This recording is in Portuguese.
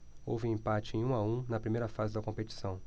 houve empate em um a um na primeira fase da competição